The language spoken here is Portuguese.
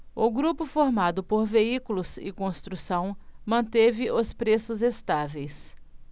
o grupo formado por veículos e construção manteve os preços estáveis